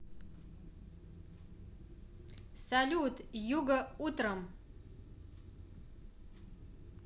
салют юго утром